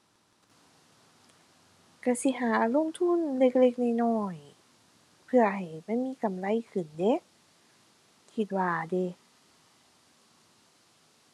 ก็สิหาลงทุนเล็กเล็กน้อยน้อย เพื่อให้มันมีกำไรขึ้นเด้ คิดว่าเดะ